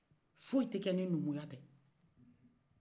foyi te kɛ ni numuya tɛ